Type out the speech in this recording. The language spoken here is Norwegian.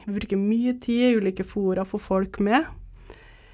vi bruker mye tid i ulike fora få folk med.